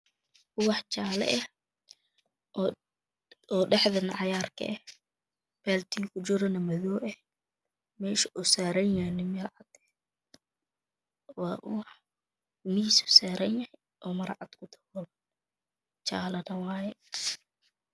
Ubax jaale eh.oo dhaxdane cagr ka eh Baldiga kujirane modow eh meshA usaranyHay mel Cadeh wa ubax Mis bu saranyahay oomara cad kudabolan jalo wayo